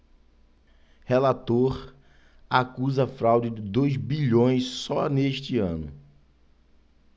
relator acusa fraude de dois bilhões só neste ano